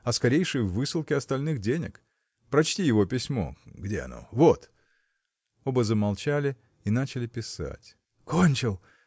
о скорейшей высылке остальных денег. Прочти его письмо: где оно? вот. Оба замолчали и начали писать. – Кончил!